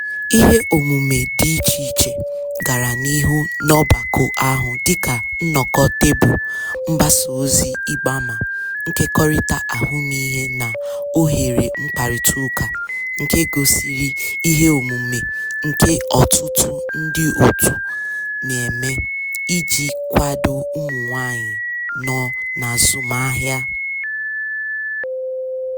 Iheomume dị icheiche gara n'ihu n'ọgbakọ ahụ, dịka nnọkọ tebụl, mgbasaozi ịgbaama, nkekọrịta ahụmihe na ohere mkparịtaụka nke gosiri iheomume nke ọtụtụ ndị òtù na-eme iji kwado ụmụnwaanyị nọ n'azụmahịa.